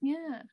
Ia.